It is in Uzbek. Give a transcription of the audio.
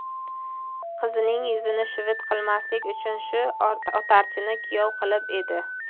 qizining yuzini shuvit qilmaslik uchun shu otarchini kuyov qilib edi